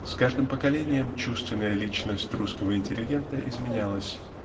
С каждым поколением чувственная личность русского интеллигента изменялась